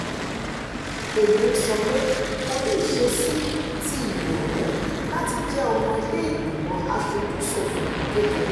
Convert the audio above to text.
Èyí ńsọpe kòní ìṣeṣí ti ìrònú láti jẹ́ Ọmọ Ilé Ìgbìmọ̀ Aṣojú-ṣòfin Kékeré.